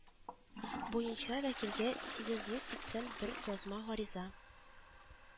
Буенча вәкилгә сигез йөз сиксән бер язма гариза